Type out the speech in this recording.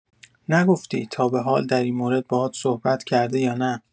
نگفتی، تا به حال در این مورد باهات صحبت کرده یا نه؟